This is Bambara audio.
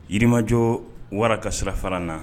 Yirimajɔ wara ka sirafara la